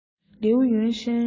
ལིའུ ཡུན ཧྲན